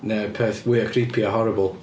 Neu'r peth fwya creepy a horrible.